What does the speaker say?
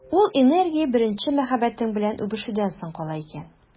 Ул энергия беренче мәхәббәтең белән үбешүдән соң кала икән.